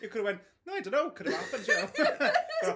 You could have went, "no, I don't know, could have happened, you know."